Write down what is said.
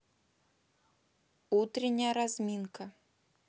утренняя разминка